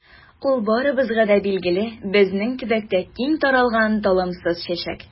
Ул барыбызга да билгеле, безнең төбәктә киң таралган талымсыз чәчәк.